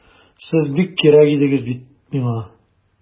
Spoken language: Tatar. Сез бик кирәк идегез бит миңа!